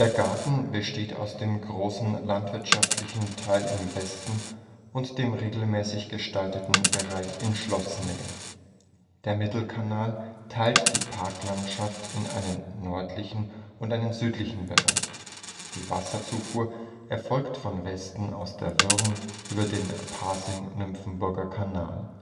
Garten besteht aus dem großen landschaftlichen Teil im Westen und dem regelmäßig gestalteten Bereich in Schlossnähe. Der Mittelkanal teilt die Parklandschaft in einen nördlichen und einen südlichen Bereich. Die Wasserzufuhr erfolgt von Westen aus der Würm über den Pasing-Nymphenburger Kanal